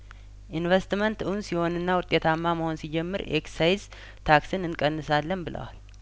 ኢንቨስትመንት እውን ሲሆንና ውጤታማ መሆን ሲጀምር ኤክሳይዝ ታክስን እንቀንሳለን ብለዋል